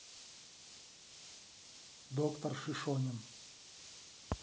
доктор шишонин